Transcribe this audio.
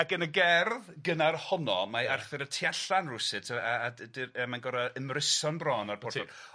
Ac yn y gerdd gynnar honno mae Arthur y tu allan rwsut a a d- d- yy mae'n gor'o' ymryson bron ar y porthor.